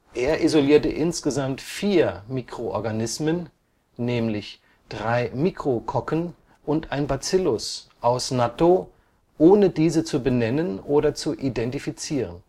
Er isolierte insgesamt vier Mikroorganismen (drei Mikrokokken und ein Bacillus) aus Nattō, ohne diese zu benennen oder zu identifizieren